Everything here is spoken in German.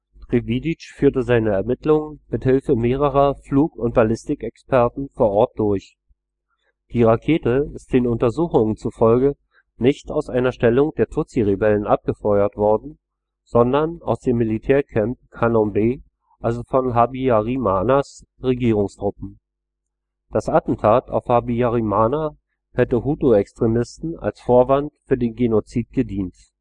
Trévidic führte seine Ermittlungen mithilfe mehrerer Flug - und Ballistikexperten vor Ort durch. Die Rakete ist den Untersuchungen zufolge nicht aus einer Stellung der Tutsi-Rebellen abgefeuert worden, sondern aus dem Militärcamp Kanombé, also von Habyarimanas Regierungstruppen. Das Attentat auf Habyarimana hätte Hutu-Extremisten als Vorwand für den Genozid gedient